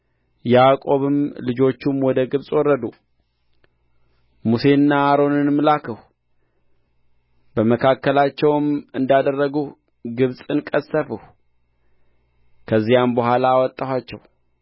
ያዕቆብም ልጆቹም ወደ ግብፅ ወረዱ ሙሴንና አሮንንም ላክሁ በመካከላቸውም እንዳደረግሁ ግብፅን ቀሠፍሁ ከዚያም በኋላ አወጣኋቸው